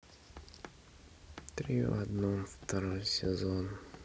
три в одном второй сезон